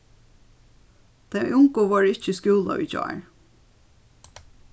tey ungu vóru ikki í skúla í gjár